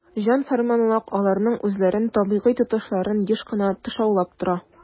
"җан-фәрманлык" аларның үзләрен табигый тотышларын еш кына тышаулап тора.